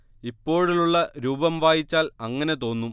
ഇപ്പോഴുള്ള രൂപം വായിച്ചാൽ അങ്ങനെ തോന്നും